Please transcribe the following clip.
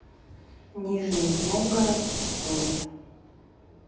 нижний новгород тонет